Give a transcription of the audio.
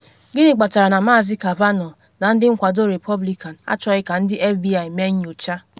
Gịnị kpatara na Maazị Kavanaugh na ndị nkwado Repọblikan achọghị ka ndị FBI mee nyocha?